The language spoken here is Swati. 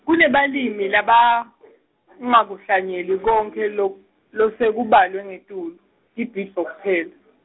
kunebalimi labangakuhlanyeli konkhe lo- losekubalwe ngetulu, tibhidvo kuphela.